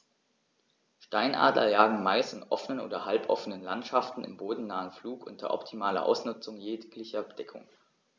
Steinadler jagen meist in offenen oder halboffenen Landschaften im bodennahen Flug unter optimaler Ausnutzung jeglicher Deckung.